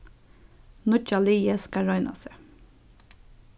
nýggja liðið skal royna seg